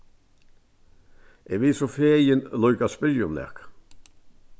eg vil so fegin líka spyrja um nakað